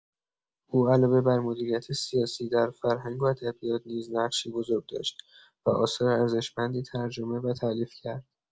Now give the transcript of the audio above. او علاوه بر مدیریت سیاسی، در فرهنگ و ادبیات نیز نقشی بزرگ داشت و آثار ارزشمندی ترجمه و تألیف کرد.